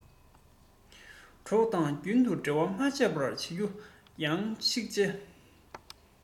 གྲོགས དང རྒྱུན དུ འབྲེལ བ མ ཆད པ བྱེད རྒྱུ ཡང གཙིགས ཆེ